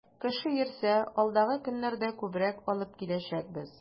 Кеше йөрсә, алдагы көннәрдә күбрәк алып киләчәкбез.